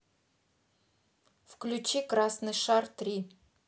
включи красный шар три